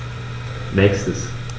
Nächstes.